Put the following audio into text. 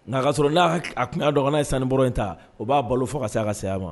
Nka a ka sɔrɔ n'a a kunya dɔgɔnin ye sankɔrɔ in ta o b'a balo fo ka se a ka sayaya ma